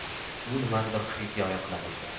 u nimanidir xirgoyi qilaboshladi